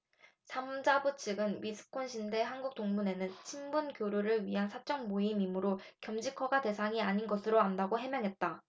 산자부 측은 위스콘신대 한국 동문회는 친분교류를 위한 사적 모임이므로 겸직 허가 대상이 아닌 것으로 안다고 해명했다